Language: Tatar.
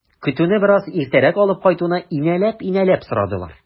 Көтүне бераз иртәрәк алып кайтуны инәлеп-инәлеп сорадылар.